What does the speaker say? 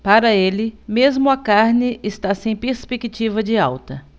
para ele mesmo a carne está sem perspectiva de alta